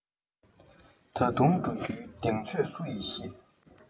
ད དུང འགྲོ རྒྱུའི གདེང ཚོད སུ ཡིས ཤེས